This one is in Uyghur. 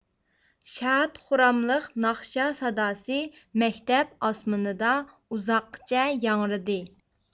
شاد خۇراملىق ناخشا ساداسى مەكتەپ ئاسمىنىدا ئۇزاققىچە ياڭرىدى